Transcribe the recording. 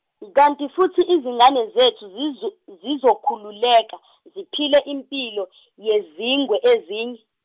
kanti futhi izingane zethu ziz- zizokhululeka, ziphile impilo yezingwe ezinye.